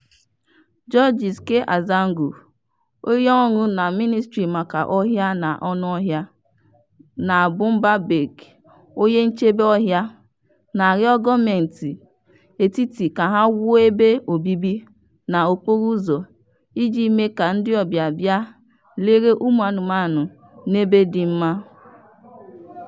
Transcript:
Georges K. Azangue, onyeọrụ na Ministry of Forestry and Wildlife and Boumba Bek Conservator na-arịọ gọọmentị etiti ka ha "wuo ebe obibi na okporoụzọ iji mee ka ndịọbịa bịa lere ụmụanụmanụ n'ebe dị mma."